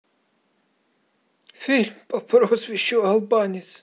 фильм по прозвищу албанец